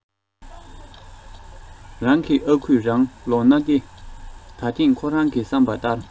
རང གི ཨ ཁུས རང ལ དོན ཏེ ད ཐེངས ཁོ རང གི བསམ པ ལྟར